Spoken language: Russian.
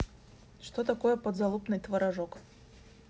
что такое подзалупный творожок